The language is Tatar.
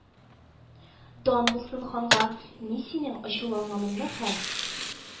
— дан булсын ханга, мин синең ачуланачагыңны һәм